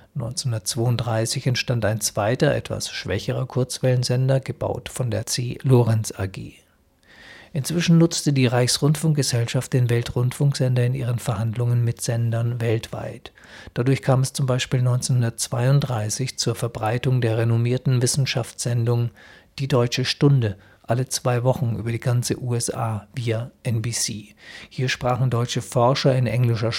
1932 entstand ein zweiter, etwas schwächerer Kurzwellensender, gebaut von der C. Lorenz AG. Inzwischen nutzte die Reichs-Rundfunk-Gesellschaft den Weltrundfunksender in ihren Verhandlungen mit Sendern weltweit. Dadurch kam es zum Beispiel 1932 zur Verbreitung der renommierten Wissenschaftssendung Die Deutsche Stunde, alle zwei Wochen, über die ganze USA (via NBC). Hier sprachen deutsche Forscher in englischer Sprache